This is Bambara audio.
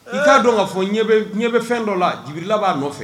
I t'a dɔn kaa fɔ ɲɛ bɛ fɛn dɔ la dibi laban'a nɔfɛ